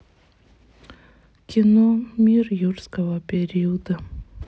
кино мир юрского периода